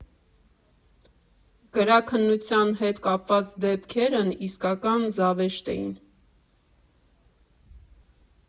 Գրաքննության հետ կապված դեպքերն իսկական զավեշտ էին։